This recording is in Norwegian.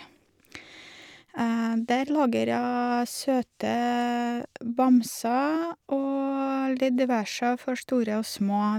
Der lager jeg søte bamser og litt diverse for store og små.